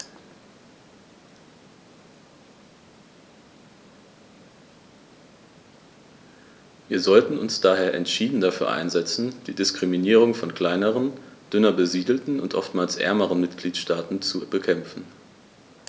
Wir sollten uns daher entschieden dafür einsetzen, die Diskriminierung von kleineren, dünner besiedelten und oftmals ärmeren Mitgliedstaaten zu bekämpfen.